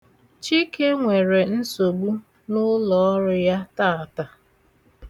Chike nwere nsogbu n'ụlọọrụ ya taata.